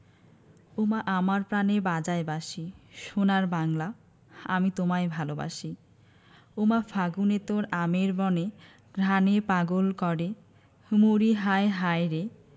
ওমা আমার প্রানে বাজায় বাঁশি সোনার বাংলা আমি তোমায় ভালোবাসি ওমা ফাগুনে তোর আমের বনে ঘ্রাণে পাগল করে মরিহায় হায়রে